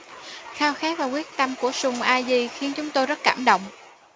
khao khát và quyết tâm của sùng a dì khiến chúng tôi rất cảm động